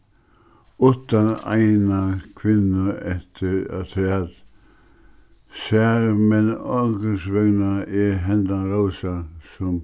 uttan eina kvinnu eftir afturat sær men onkursvegna er hendan rósa sum